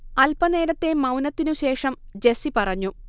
അൽപനേരത്തെ മൗനത്തിനു ശേഷം ജെസ്സി പറഞ്ഞു